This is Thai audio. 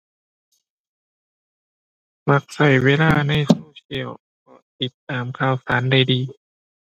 มักใช้เวลาในโซเชียล เพราะติดตามข่าวสารได้ดี